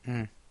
Hmm.